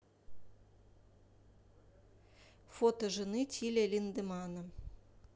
фото жены тиля линдеманна